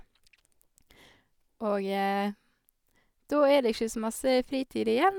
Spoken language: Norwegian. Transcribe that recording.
Og da er det ikke så masse fritid igjen.